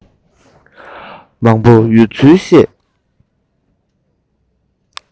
མང པོ ཡོད ཚུལ བཤད